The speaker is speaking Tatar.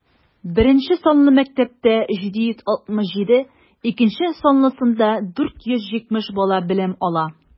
Беренче санлы мәктәптә - 767, икенче санлысында 470 бала белем ала.